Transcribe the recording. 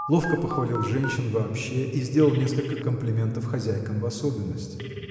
ловко похвалил женщин вообще и сделал несколько комплиментов хозяйкам в особенности.